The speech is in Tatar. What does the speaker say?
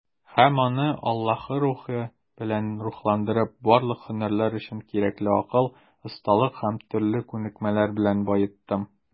Һәм аны, Аллаһы Рухы белән рухландырып, барлык һөнәрләр өчен кирәкле акыл, осталык һәм төрле күнекмәләр белән баеттым.